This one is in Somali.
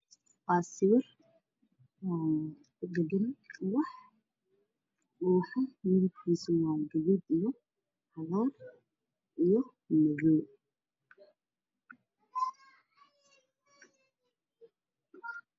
Waa sariir waxaa saaran waxaa ku sawiran ubax midabkiisa yahay cagaar guduud